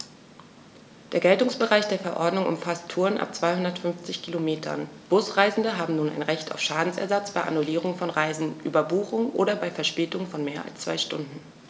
Der Geltungsbereich der Verordnung umfasst Touren ab 250 Kilometern, Busreisende haben nun ein Recht auf Schadensersatz bei Annullierung von Reisen, Überbuchung oder bei Verspätung von mehr als zwei Stunden.